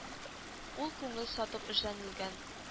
“ул күңел сатып эшләнелгән